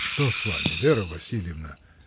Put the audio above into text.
— Что с вами, Вера Васильевна?